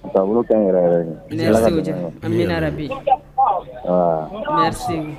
Taabolo kaɲi yɛrɛyɛrɛ de merci o ja Ala ka dɛmɛ kɛ amiina yarabi abaaa merci